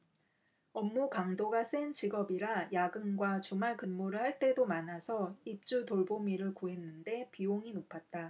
업무 강도가 센 직업이라 야근과 주말근무를 할 때도 많아서 입주돌보미를 구했는데 비용이 높았다